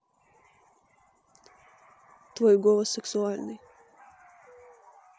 твой голос сексуальный